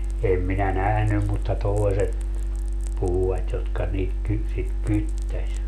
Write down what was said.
en minä nähnyt mutta toiset puhuivat jotka niitä - sitä kyttäsi